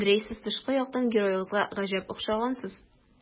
Андрей, сез тышкы яктан героегызга гаҗәп охшагансыз.